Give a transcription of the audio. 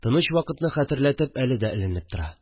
Тыныч вакытны хәтерләтеп әле дә эленеп тора